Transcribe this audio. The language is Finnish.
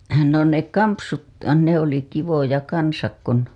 no ne kampsut ne oli kivoja kanssa kun